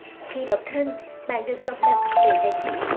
khi độc thân bạn được độc lập về tài chính